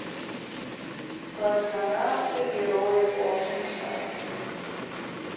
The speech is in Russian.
космонавты герои космоса